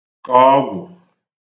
kọ̀ ọgwụ̀